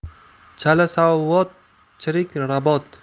chalasavod chirik rabot